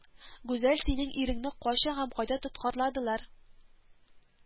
Гүзәл, синең иреңне кайчан һәм кайда тоткарладылар